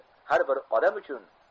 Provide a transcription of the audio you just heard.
har bir odam uchun